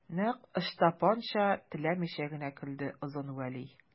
Нәкъ Ычтапанча теләмичә генә көлде Озын Вәли.